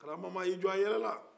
gramama ye a jɔ a yɛlɛla